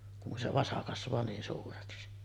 kun se vasa kasvaa niin suureksi